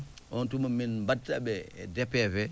on tuma min mbaddaɓe e DPV